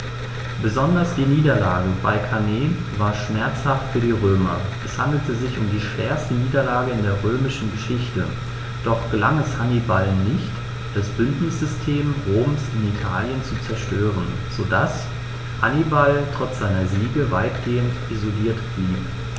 Besonders die Niederlage bei Cannae war schmerzhaft für die Römer: Es handelte sich um die schwerste Niederlage in der römischen Geschichte, doch gelang es Hannibal nicht, das Bündnissystem Roms in Italien zu zerstören, sodass Hannibal trotz seiner Siege weitgehend isoliert blieb.